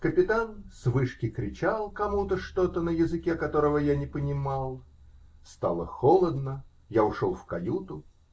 капитан с вышки кричал кому то что то на языке, которого я не понимал. Стало холодно. Я ушел в каюту.